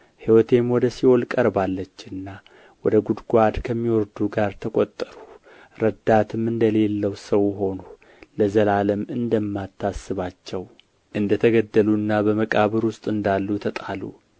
ሕይወቴም ወደ ሲኦል ቀርባለችና ወደ ጓድጓድ ከሚወርዱ ጋር ተቈጠርሁ ረዳትም እንደሌለው ሰው ሆንሁ ለዘላለም እንደማታስባቸው እንደ ተገደሉና በመቃብር ውስጥ እንደ ተጣሉ